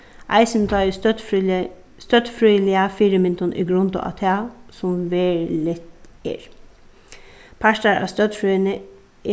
eisini tá ið støddfrøðiliga støddfrøðiliga fyrimyndin er grundað á tað sum veruligt er partar av støddfrøðini